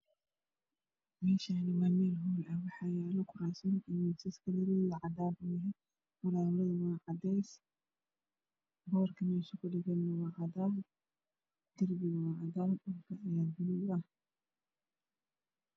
Meeshaani waa meel hool waxaa yaalo kuraasman miisas midabkiisa cadaan falawer waa cadaan darbiga cadaan dhulka waa buluug